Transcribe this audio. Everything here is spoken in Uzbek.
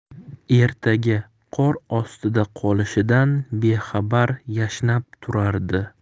ertaga qor ostida qolishidan bexabar yashnab turardi